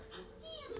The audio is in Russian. восход трио как ездить